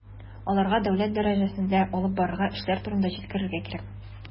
Аларга дәүләт дәрәҗәсендә алып барылган эшләр турында җиткерергә кирәк.